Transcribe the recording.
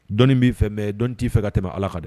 Dɔni b'i fɛ mɛ dɔn t'i fɛ ka tɛmɛ ala ka dɛ